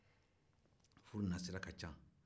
furu nasira ka ca